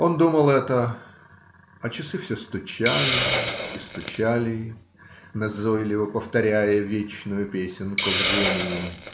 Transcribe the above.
Он думал это, а часы все стучали и стучали, назойливо повторяя вечную песенку времени.